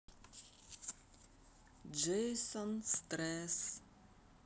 джейсон стресс